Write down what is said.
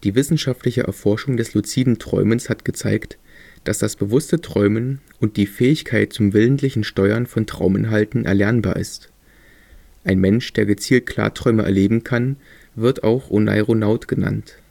wissenschaftliche Erforschung des luziden Träumens hat gezeigt, dass das bewusste Träumen und die Fähigkeit zum willentlichen Steuern von Trauminhalten erlernbar sind. Ein Mensch, der gezielt Klarträume erleben kann, wird auch Oneironaut genannt